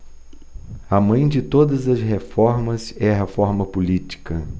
a mãe de todas as reformas é a reforma política